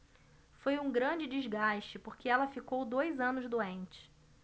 foi um grande desgaste porque ela ficou dois anos doente